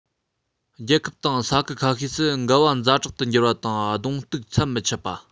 རྒྱལ ཁབ དང ས ཁུལ ཁ ཤས སུ འགལ བ ཛ དྲག ཏུ འགྱུར བ དང གདོང གཏུག མཚམས མི ཆད པ